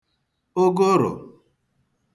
ụgụrụ̀